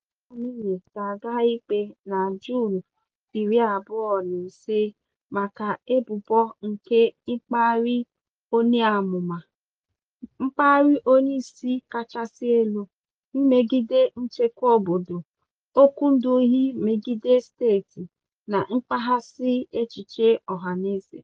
Hamidreza Amini ga-aga ikpe na Juun 25 maka ebubo nke "ịkparị onyeamụma", "ịkparị onyeisi kachasị elu", "imegide nchekwa obodo", "okwu nduhie megide steeti" na "ịkpaghasị echiche ọhanaeze".